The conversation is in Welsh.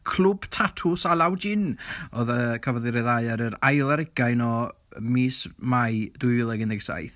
Clwb Tatws Alaw Jin, oedd yy cafodd ei ryddhau ar yr ail ar hugain o mis Mai dwy fil ac un deg saith.